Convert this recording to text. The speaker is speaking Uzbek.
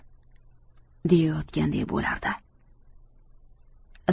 deyayotgandek bo'lardi